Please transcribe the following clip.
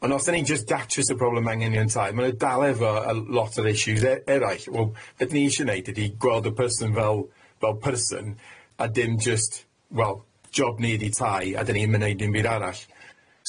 Ond os 'dan ni'n jyst datrys y problem anghenion tai ma' n'w dal efo yy lot o'r issues e- eraill wel be 'dan ni isie neud ydi gweld y person fel fel person a dim jyst wel job ni ydi tai a 'dan ni'm yn neud dim byd arall.